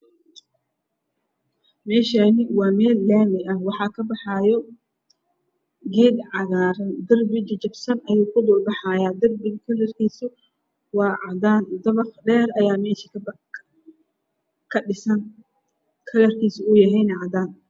Meshani waa mel lami ah waxa kabaxayo geed cagar dirbi jajabsan oo kudulbaxaya darbiga kalarkis wa cadan dabaq dheer aya mesh kadhisan kalarkis oow yahya cadan